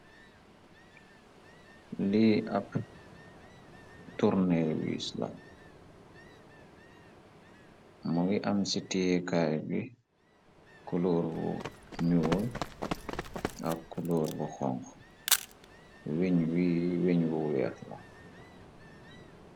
Lii ab tournawiis la mo ngi am ci téekaay bi kulóor bu nuol ab kulóor bu xonx weñ bu weex la